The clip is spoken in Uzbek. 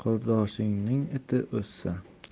qurdoshingning iti o'zsin